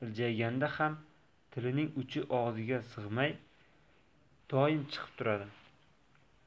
iljayganda ham tilining uchi og'ziga sig'may doim chiqib turadi